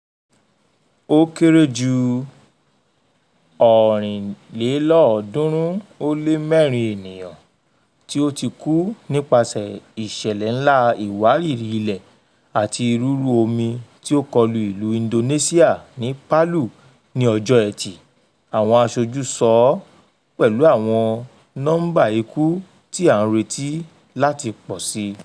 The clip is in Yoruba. Ó kéré jù 384 ènìyàn ni ó ti kú nípasẹ̀ ìṣẹ̀lẹ̀ ńlá ìwárìrì-ilẹ̀ àti rúrú omi tí o kọlu ìlú Indonesian ti Palu ní Ọjọ́ Ẹtì, àwọn aṣojú sọ, pẹ̀lú àwọn nọ́mbá ikú tí a ń retí láti pọ̀si.